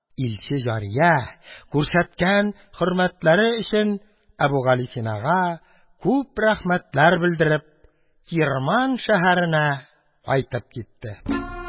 Илче җария, күрсәткән хөрмәтләре өчен Әбүгалисинага күп рәхмәтләр белдереп, Кирман шәһәренә кайтып китте.